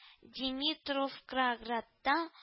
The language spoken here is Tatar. Димитревкроградта